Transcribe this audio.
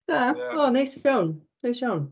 Da. O neis iawn neis iawn.